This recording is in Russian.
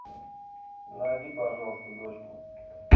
найди пожалуйста дочку